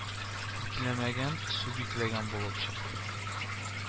Бикләмәгән, су бикләгән булып чыкты